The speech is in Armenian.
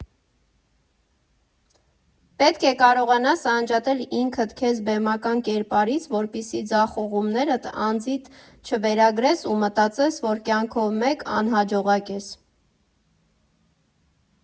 Պետք է կարողանաս անջատել ինքդ քեզ բեմական կերպարից, որպեսզի ձախողումներդ անձիդ չվերագրես ու մտածես, որ կյանքով մեկ անհաջողակ ես։